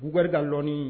Uukari ka ɔni